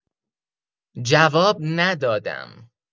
جواب ندادم.